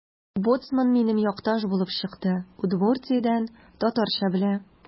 Боцман минем якташ булып чыкты: Удмуртиядән – татарча белә.